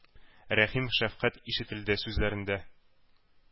Рәхим, шәфкать ишетелде сүзләрендә.